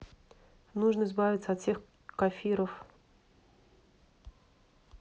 нужно избавиться от всех кафиров